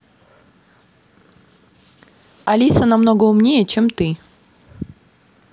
алиса намного умнее чем ты